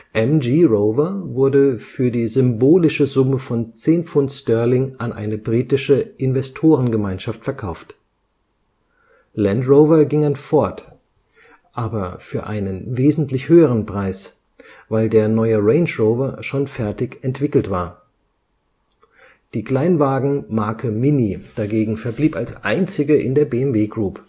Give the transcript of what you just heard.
MG-Rover wurde für die symbolische Summe von zehn Pfund Sterling an eine britische Investorengemeinschaft verkauft. Land Rover ging an Ford, aber für einen wesentlich höheren Preis, weil der neue Range Rover schon fertig entwickelt war. Die Kleinwagen-Marke Mini dagegen verblieb als einzige in der BMW Group